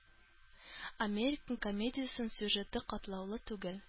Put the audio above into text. «американ» комедиясенең сюжеты катлаулы түгел.